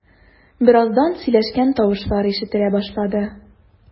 Бераздан сөйләшкән тавышлар ишетелә башлады.